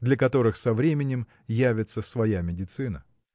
для которых со временем явится своя медицина.